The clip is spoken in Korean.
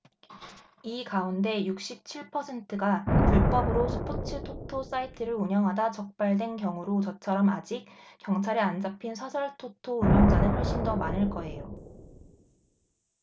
이 가운데 육십 칠 퍼센트가 불법으로 스포츠 토토 사이트를 운영하다 적발된 경우로 저처럼 아직 경찰에 안 잡힌 사설 토토 운영자는 훨씬 더 많을 거예요